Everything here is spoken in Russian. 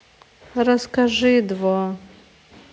расскажи два